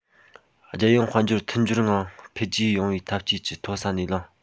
རྒྱལ ཡོངས དཔལ འབྱོར མཐུན སྦྱོར ངང འཕེལ རྒྱས ཡོང བའི འཐབ ཇུས ཀྱི མཐོ ས ནས ལངས